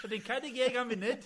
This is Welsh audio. So ti'n cae dy geg am funud?